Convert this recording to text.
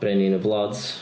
Brenin y blods.